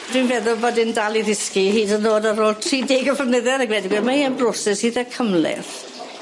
Dwi'n feddwl bod e'n dal i dysgu hyd yn o'd ar ôl tri deg o flynydde a gweud y gwir mae yn broses itha cymleth.